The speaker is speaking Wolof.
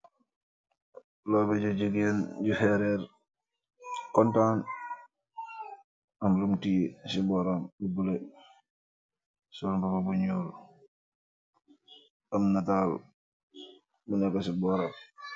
Lawbe ju jigéen ju xeerer, kontaan, ak lum tiye si bóoram. Sol mbuba bu ñuul, am nittal si bóoram.